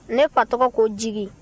ne fa tɔgɔ ko jigi